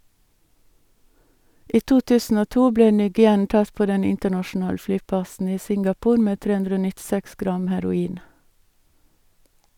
I 2002 ble Nguyen tatt på den internasjonale flyplassen i Singapore med 396 gram heroin.